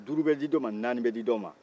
duuru bɛ di dɔ man naani bɛ di dɔ man